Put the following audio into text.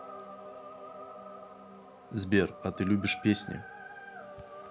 сбер а ты любишь песни